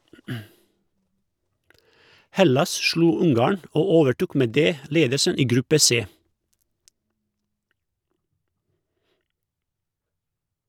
Hellas slo Ungarn, og overtok med det ledelsen i gruppe C.